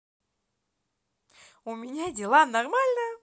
у меня дела нормально